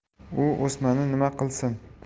u o'smani nima qilsin